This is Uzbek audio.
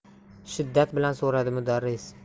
shiddat bilan so'radi mudarris